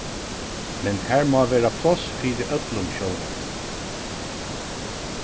men har má vera pláss fyri øllum sjálvandi